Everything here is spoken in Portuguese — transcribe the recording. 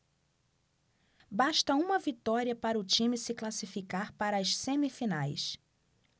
basta uma vitória para o time se classificar para as semifinais